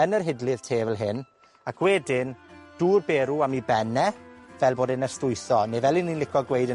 yn yr hidlydd te fel hyn, ac wedyn dŵr berw am 'i ben e, fel bod e'n ystwytho, ne' fel 'yn ni'n lico gweud yn...